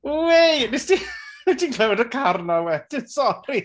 Wei! Wnest ti ... o't ti'n clywed y car 'na wedyn sori!